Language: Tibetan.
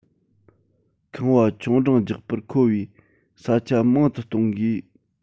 ཁང པ ཆུང འབྲིང རྒྱག པར མཁོ བའི ས ཆ མང དུ གཏོང དགོས